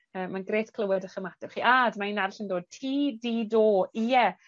yy mae'n grêt clywed 'ych ymateb chi. A! Dyma un arall yn dod. Tŷ di do. Ie.